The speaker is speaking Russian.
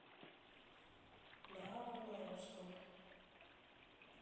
браво на русском